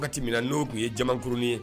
Wagati min na n'o tun ye jamankurrnin ye!